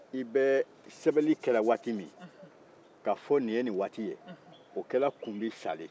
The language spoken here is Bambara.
i bɛ sɛbɛnni kɛra waati min ka fɔ nin ye nin waati o kɛra kumbisalen